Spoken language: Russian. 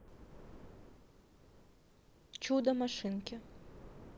чудо машинки